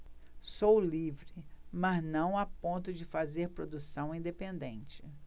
sou livre mas não a ponto de fazer produção independente